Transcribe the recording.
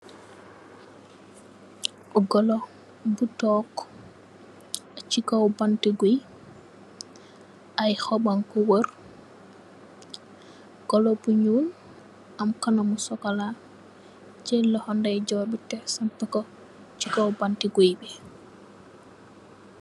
Goloh bu tok chi kaw banti guiiy, aiiy hohb bankoh wohrre, goloh bu njull am kanam bu chocolat, jeul lokhor ndeyjorr bii teh sampue kor chi kaw banti guiiy bii.